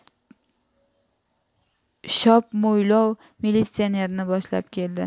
shopmo'ylov militsionerni boshlab keldi